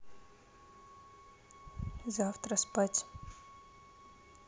завтра спать